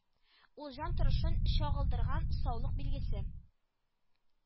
Ул җан торышын чагылдырган саулык билгесе